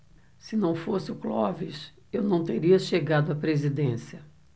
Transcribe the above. se não fosse o clóvis eu não teria chegado à presidência